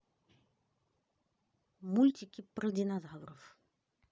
мультики про динозавриков